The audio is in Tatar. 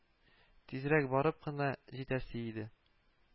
Тизрәк барып кына җитәсе иде